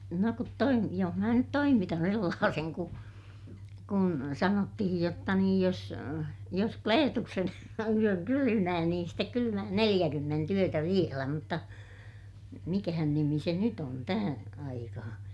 no kun - jos minä nyt toimitan sellaisen kun kun sanottiin jotta niin jos jos Kleetuksen yön kylmää niin sitten kylmää neljäkymmentä yötä vielä mutta mikähän nimi se nyt on tähän aikaan